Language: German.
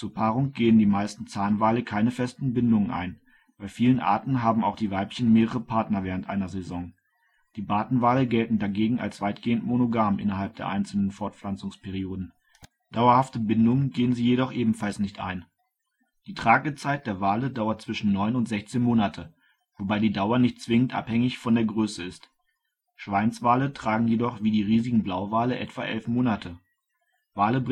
Paarung gehen die meisten Zahnwale keine festen Bindungen ein, bei vielen Arten haben auch die Weibchen mehrere Partner während einer Saison. Die Bartenwale gelten dagegen als weitgehend monogam innerhalb der einzelnen Fortpflanzungsperioden, dauerhafte Bindungen gehen sie jedoch ebenfalls nicht ein. Die Tragezeit der Wale dauert zwischen neun und 16 Monate, wobei die Dauer nicht zwingend abhängig von der Größe ist. Schweinswale tragen ebenso wie die riesigen Blauwale etwa 11 Monate. Wale